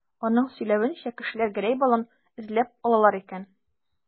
Аның сөйләвенчә, кешеләр Гәрәй балын эзләп алалар икән.